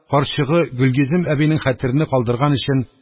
Карчыгы гөлйөзем әбинең хәтерене калдырган өчен,